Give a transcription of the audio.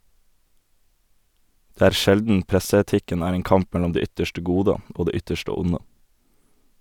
Det er sjelden presseetikken er en kamp mellom det ytterste gode og det ytterste onde.